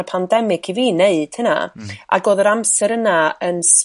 y pandemig i fi 'neud hynna ag o'dd yr amser yna yn